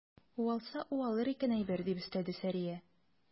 Уалса уалыр икән әйбер, - дип өстәде Сәрия.